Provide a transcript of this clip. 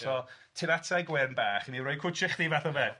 so tyrd ata i Gwern bach i mi roi cwtsh i chdi fath o beth